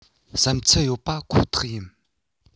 བསམ ཚུལ ཡོད པ ཁོ ཐག ཡིན